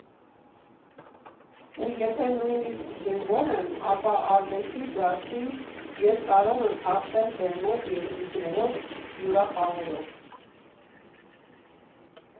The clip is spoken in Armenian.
Ու եթե նույնիսկ զինվոր եմ, ապա արվեստի դաշտի, ես կարող եմ հաղթել բեմով, ելույթներով, հյուրախաղերով։